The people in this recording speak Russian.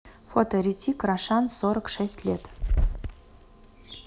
фото ритик рошан сорок шесть лет